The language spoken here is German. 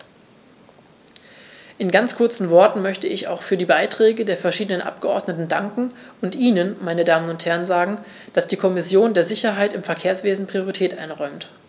In ganz kurzen Worten möchte ich auch für die Beiträge der verschiedenen Abgeordneten danken und Ihnen, meine Damen und Herren, sagen, dass die Kommission der Sicherheit im Verkehrswesen Priorität einräumt.